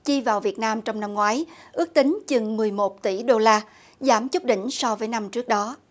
chi vào việt nam trong năm ngoái ước tính chừng mười một tỷ đô la giảm chút đỉnh so với năm trước đó